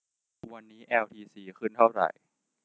วันนี้แอลทีซีขึ้นเท่าไหร่